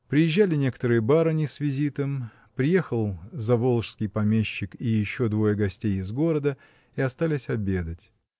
Приезжали некоторые барыни с визитом, приехал заволжский помещик, и еще двое гостей из города, и остались обедать.